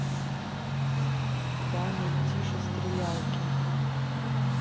даня и тиша стрелялки